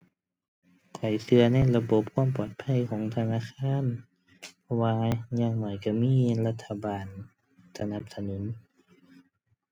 ข้อยเชื่อในระบบความปลอดภัยของธนาคาร เพราะว่าอย่างน้อยเชื่อมีรัฐบาลสนับสนุน